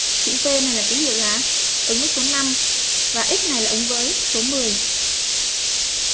chữ v này là cái gì mà số và ít này ứng với số